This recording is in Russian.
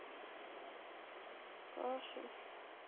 кашель